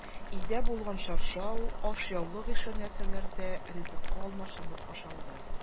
Өйдә булган чаршау, ашъяулык ише нәрсәләр дә ризыкка алмашынып ашалды.